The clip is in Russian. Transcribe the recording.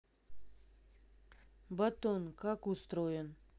батон как устроен